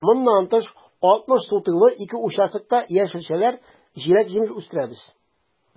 Моннан тыш, 60 сотыйлы ике участокта яшелчәләр, җиләк-җимеш үстерәбез.